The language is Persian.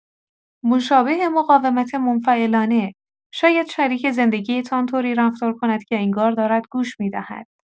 مشابه مقاومت منفعلانه، شاید شریک زندگی‌تان طوری رفتار کند که انگار دارد گوش می‌دهد.